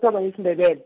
-thoma isiNdebele.